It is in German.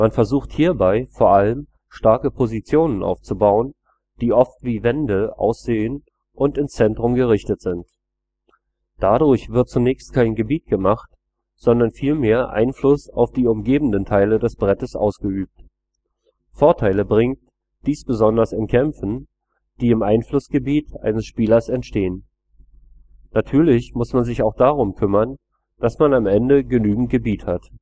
versucht hierbei vor allem, starke Positionen aufzubauen, die oft wie „ Wände “aussehen und ins Zentrum gerichtet sind. Dadurch wird zunächst kein Gebiet gemacht, sondern vielmehr Einfluss auf die umgebenden Teile des Brettes ausgeübt. Vorteile bringt dies besonders in Kämpfen, die im Einflussgebiet eines Spielers entstehen. Natürlich muss man sich auch darum kümmern, dass man am Ende genügend Gebiet hat